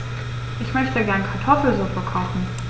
Ich möchte gerne Kartoffelsuppe kochen.